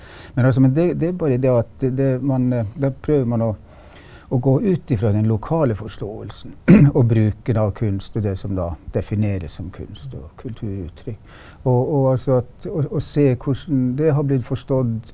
men altså men det det er jo bare det at det det man da prøver man å å gå ut ifra den lokale forståelsen og bruker da kunst til det som da defineres som kunst- og kulturuttrykk og og altså at å se hvordan det har blitt forstått.